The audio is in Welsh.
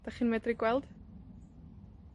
'Dych chi'n medru gweld?